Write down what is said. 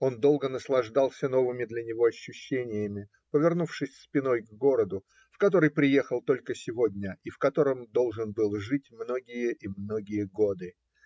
Он долго наслаждался новыми для него ощущениями, повернувшись спиной к городу, в который приехал только сегодня и в котором должен был жить многие и многие годы.